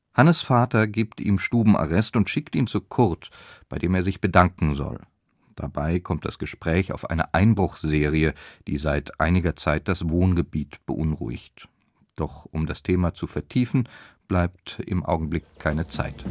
Hannes’ Vater gibt ihm Stubenarrest und schickt ihn zu Kurt, bei dem er sich bedanken soll. Dabei kommt das Gespräch auf eine Einbruchsserie, die seit einiger Zeit das Wohngebiet beunruhigt. Doch um das Thema zu vertiefen bleibt im Augenblick keine Zeit